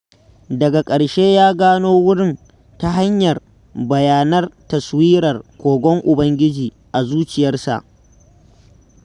Daga ƙarshe ya gano wurin ta hanyar bayyanar tasawirar kogon Ubangiji a zuciyarsa.